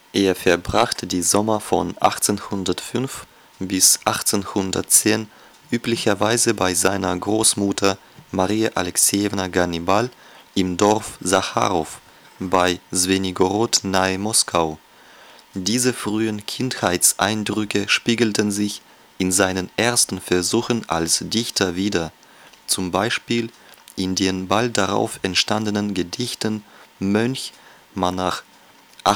Er verbrachte die Sommer von 1805 bis 1810 üblicherweise bei seiner Großmutter, Maria Alexejewna Gannibal, im Dorf Sacharow bei Swenigorod nahe Moskau. Diese frühen Kindheitseindrücke spiegelten sich in seinen ersten Versuchen als Dichter wieder, z.B. in den bald darauf entstandenen Gedichten Mönch (Монах, 1813